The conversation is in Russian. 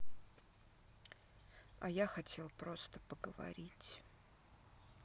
а я хотел просто поговорить